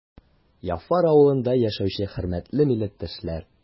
Яфар авылында яшәүче хөрмәтле милләттәшләр!